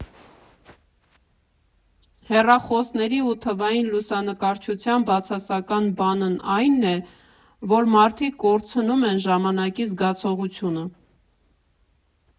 Հեռախոսների ու թվային լուսանկարչության բացասական բանն այն է, որ մարդիկ կորցնում են ժամանակի զգացողությունը։